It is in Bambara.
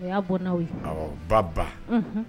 O y'a bɔ n'aw ye ba ba